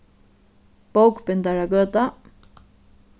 bókbindaragøta